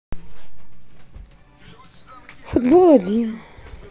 футбол один